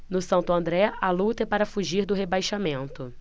no santo andré a luta é para fugir do rebaixamento